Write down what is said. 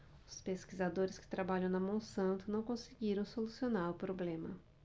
os pesquisadores que trabalham na monsanto não conseguiram solucionar o problema